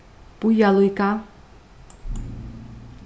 bíða líka